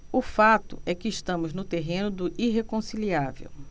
o fato é que estamos no terreno do irreconciliável